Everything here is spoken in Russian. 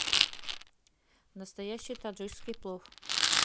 настоящий таджикский плов